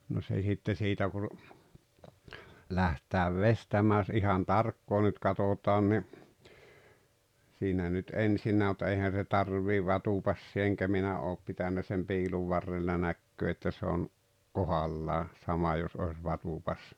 no se sitten siitä kun lähdetään veistämään jos ihan tarkkaan nyt katsotaan niin siinä nyt ensinnäkin mutta eihän se tarvitse vatupassia enkä minä ole pitänyt sen piilun varrella näkee että se on kohdallaan sama jos olisi vatupassi